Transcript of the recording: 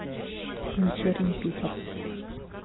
вечерний питер